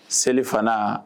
Selifana